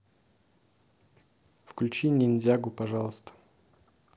включи ниндзягу пожалуйста